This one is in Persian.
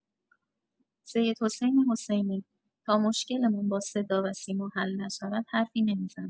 سیدحسین حسینی: تا مشکلمان با صدا و سیما حل نشود حرفی نمی‌زنیم.